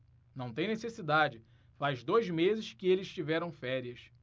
não tem necessidade faz dois meses que eles tiveram férias